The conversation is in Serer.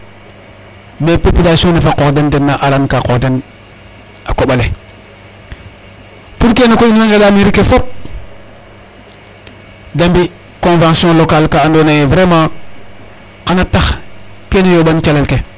Mais population no fa qoox den den den na aarankan a qoox den a koƥ ale pour kene koy in way nqeɗa mairie ke fop da mbi' convention local ka andoona yee vraiment xan a tax kene yooɓan calel ke.